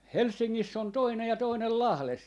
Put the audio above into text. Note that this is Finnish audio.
Helsingissä on toinen ja toinen Lahdessa